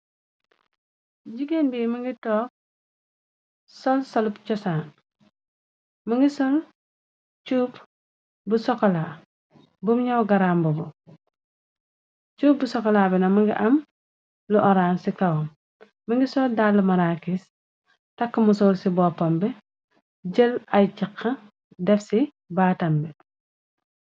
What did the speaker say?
jigéen bi më ngi toop sol solub cosaan më ngi sool cuub bu sokola bu ñaw garamba bu cuup bu sokolaa bina mënga am lu orange ci kawam më ngi sol dàll marakis takk musool ci boppam b jël ay caq def ci baatambe